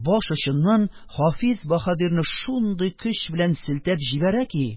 Баш очыннан хафиз баһадирны шундый көч белән селтәп җибәрә ки,